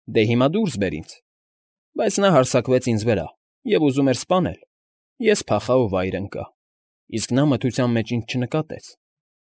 Դե հիմա դուրս բեր ինձ»։ Բայց նա հարձակվեց ինձ վրա և ուզում էր սպանել, ես փախա ու վայր ընկա, իսկ նա մթության մեջ ինձ չնկատեց։